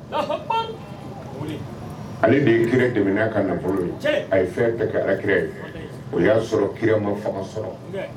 Ale de kira dɛmɛ ka a ye fɛnki ye o y'a sɔrɔ kema faga sɔrɔ